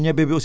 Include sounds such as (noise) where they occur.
(hesitation) (hesitation)